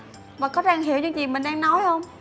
bà có đang hiểu những gì mình đang nói không